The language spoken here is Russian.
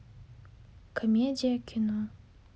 комедия кино